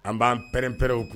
An b'an pɛrɛn pɛrɛn u kun